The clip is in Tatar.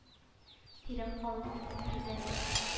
Тирем калын минем түзәм мин